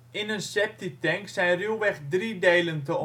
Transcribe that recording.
In een septic tank zijn ruwweg drie delen te